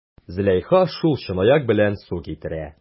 Зөләйха шул чынаяк белән су китерә.